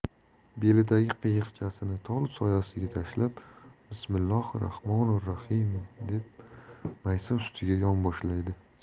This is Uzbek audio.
belidagi qiyiqchasini tol soyasiga tashlab bismillohu rahmonur rahim deb maysa ustiga yonboshlaydi